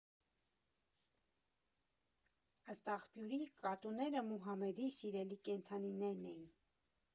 Ըստ աղբյուրի, կատուները Մուհամեդի սիրելի կենդանիներն էին։